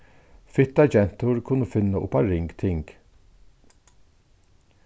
fittar gentur kunnu finna upp á ring ting